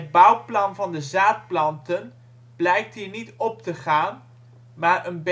bouwplan van de zaadplanten blijkt hier niet op te gaan, maar een betere